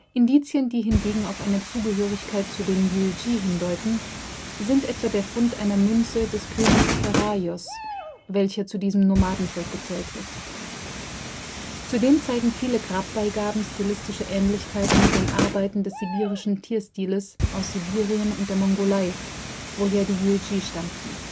Indizien, die hingegen auf eine Zugehörigkeit zu den Yuezhi hindeuten, sind etwa der Fund einer Münze des Königs Heraios, welcher zu diesem Nomadenvolk gezählt wird. Zudem zeigen viele Grabbeigaben stilistische Ähnlichkeiten mit den Arbeiten des Sibirischen Tierstiles aus Sibirien und der Mongolei, woher die Yuezhi stammten